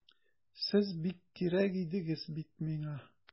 Сез бик кирәк идегез бит миңа!